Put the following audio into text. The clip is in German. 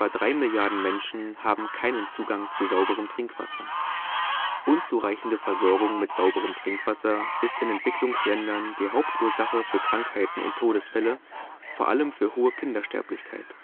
drei Milliarden Menschen haben keinen Zugang zu sauberem Trinkwasser. Unzureichende Versorgung mit sauberem Trinkwasser ist in Entwicklungsländern die Hauptursache für Krankheiten und Todesfälle, vor Allem für hohe Kindersterblichkeit